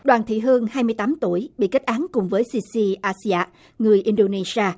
đoàn thị hương hai mươi tám tuổi bị kết án cùng với si si a si a người in đô nê si a